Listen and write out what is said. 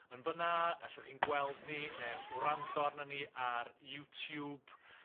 yn fynna, allwch chi'n gweld ni ne' wrando arnon ni ar YouTube.